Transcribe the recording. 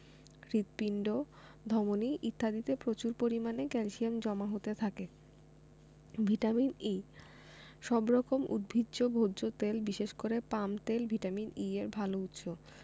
হৃৎপিণ্ড ধমনি ইত্যাদিতে প্রচুর পরিমাণে ক্যালসিয়াম জমা হতে থাকে ভিটামিন E সব রকম উদ্ভিজ্জ ভোজ্য তেল বিশেষ করে পাম তেল ভিটামিন E এর ভালো উৎস